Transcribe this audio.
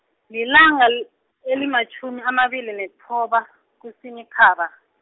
lilanga l- elimatjhumi amabili nethoba, kuSinyikhaba.